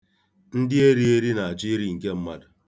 Ndị erieri na-achọ iri nke mmadụ.